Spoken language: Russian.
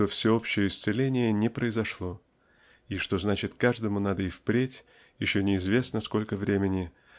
что всеобщее исцеление не произошло и что значит каждому надо и впредь еще неизвестно сколько времени